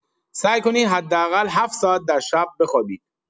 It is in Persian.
سعی کنید حداقل ۷ ساعت در شب بخوابید.